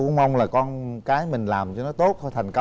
cũng mong là con cái mình làm cho nó tốt thôi thành